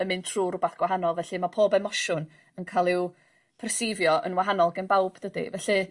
yn mynd trw rwbath gwahanol felly ma' pob emosiwn yn ca'l i'w perceivio yn wahanol gan bawb dydi felly...